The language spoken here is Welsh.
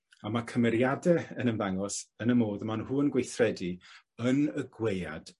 A ma' cymeriade yn ymddangos yn y modd ma' nhw yn gweithredu yn y gwead